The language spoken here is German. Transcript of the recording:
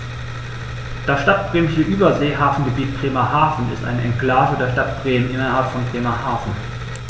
Das Stadtbremische Überseehafengebiet Bremerhaven ist eine Exklave der Stadt Bremen innerhalb von Bremerhaven.